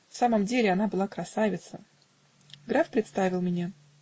В самом деле, она была красавица. Граф представил меня